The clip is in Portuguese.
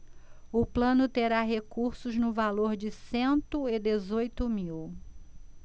o plano terá recursos no valor de cento e dezoito mil